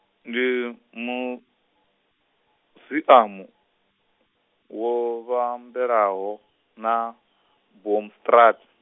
ndi, muziamu, wo vhambelaho, na, Boomstraat.